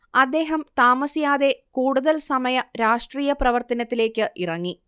അദ്ദേഹം താമസിയാതെ കൂടുതൽ സമയ രാഷ്ട്രീയ പ്രവർത്തനത്തിലെക്ക് ഇറങ്ങി